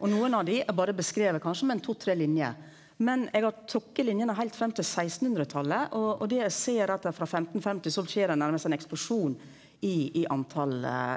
og nokon av dei er berre beskrive kanskje med ein to tre linjer, men eg har trekt linjene heilt fram til sekstenhundretalet og og det eg ser er at frå 1550 så skjer det nærast ein eksplosjon i i tal